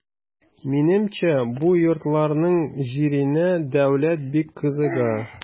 Минемчә бу йортларның җиренә дәүләт бик кызыга.